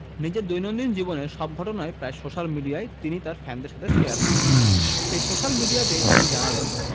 নিজের দৈনন্দিন জীবনের সব ঘটনাই প্রায় সোশ্যাল মিডিয়ায় তিনি তার ফ্যানেদের সঙ্গে শেয়ার করেন সেই সোশ্যাল মিডিয়াতেই তিনি জানালেন